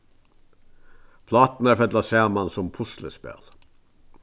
pláturnar fella saman sum puslispæl